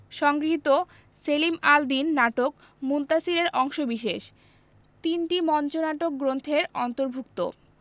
সংগৃহীত সেলিম আল দীন নাটক মুনতাসীর এর অংশবিশেষ তিনটি মঞ্চনাটক গ্রন্থের অন্তর্ভুক্ত